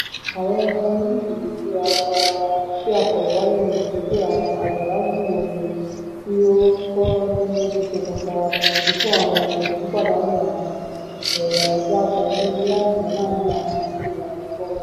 Àwọn ọmọ onílùú tí a fọ̀rọ̀ wá lẹ́nu wo sọ pé àwọn agbalúgbú omi tí ó ti kóró sínú ti ṣokùnfa ikú àwọn ẹranko, pípàdánù àwọn ẹ̀yà ẹja kọọ̀kan, onírúurú aìsàn láàárìn àwn arà ilú, àti ikú ọmọdé kan.